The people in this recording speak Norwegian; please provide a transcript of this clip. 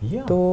ja.